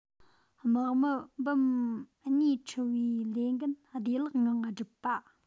དམག མི འབུམ གཉིས འཕྲི བའི ལས འགན བདེ བླག ངང བསྒྲུབས པ